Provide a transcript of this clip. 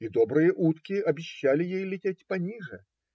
И добрые утки обещали ей лететь пониже.